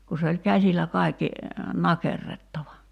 kun se oli käsillä kaikki nakerrettava